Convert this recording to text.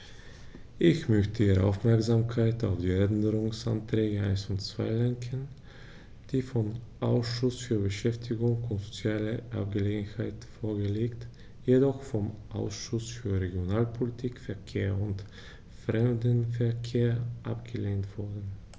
Ich möchte Ihre Aufmerksamkeit auf die Änderungsanträge 1 und 2 lenken, die vom Ausschuss für Beschäftigung und soziale Angelegenheiten vorgelegt, jedoch vom Ausschuss für Regionalpolitik, Verkehr und Fremdenverkehr abgelehnt wurden.